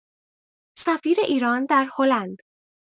سفیر ایران در هلند